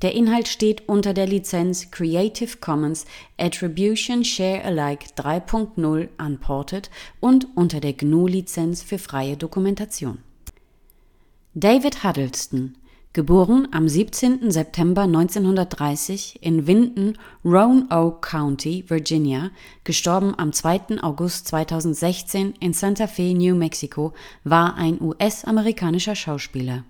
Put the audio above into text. Inhalt steht unter der Lizenz Creative Commons Attribution Share Alike 3 Punkt 0 Unported und unter der GNU Lizenz für freie Dokumentation. David Huddleston (* 17. September 1930 in Vinton, Roanoke County, Virginia; † 2. August 2016 in Santa Fe, New Mexico) war ein US-amerikanischer Schauspieler